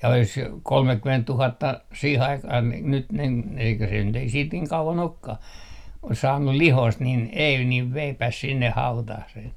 ja olisi kolmekymmentätuhatta siihen aikaan niin nyt niin - eikä se nyt ei siitä niin kauan olekaan olisi saanut lihoista niin ei niin veipäs sinne hautaan sen